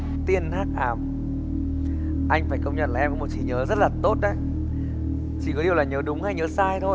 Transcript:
tiên hắc ám anh phải công nhận là em có một trí nhớ rất là tốt đấy chỉ có điều là nhớ đúng hay nhớ sai thôi